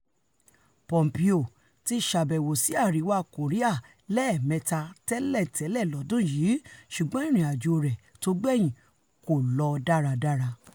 Pompeo ti ṣàbẹ̀wò sí Àríwá Kòríà lẹ́ẹ̀mẹta tẹ́lẹ̀tẹ́lẹ̀ lọ́dún yìí, ṣùgbọ́n ìrìn-àjò rẹ̵̵̀ tógbẹ̀yìn kò lọ dáradára.